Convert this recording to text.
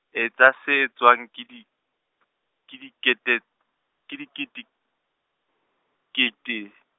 etsa se e tswang ke di, ke dikete, ke diketekete.